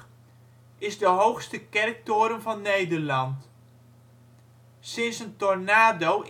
de hoogste kerktoren van Nederland. Sinds een tornado